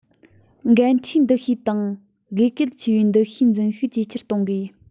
འགན འཁྲིའི འདུ ཤེས དང དགོས གལ ཆེ བའི འདུ ཤེས འཛིན ཤུགས ཇེ ཆེར གཏོང དགོས